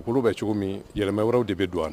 Olu bɛ cogomiin yɛlɛmamɛ wɛrɛw de bɛ don a